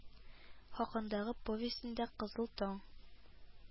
Хакындагы повестен да кызыл таң